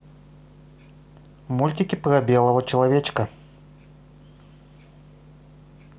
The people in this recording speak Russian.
мультики про белого человечка